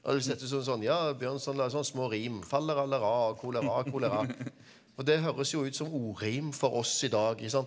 det hadde sett ut som sånn ja Bjørnson lagde sånne små rim fallera og kolera og kolera og det høres jo ut som ordrim for oss i dag ikke sant.